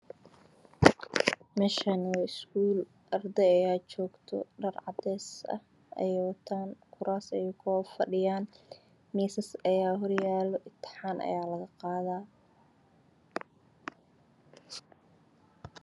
Meeshan wa iskuul arday ayaa jogto dhar cadeys ah ayey watan miisas ayaa hor yaalo imtaxan ayaa laga qadaa